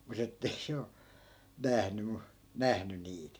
mutta että ei se ole nähnyt - nähnyt niitä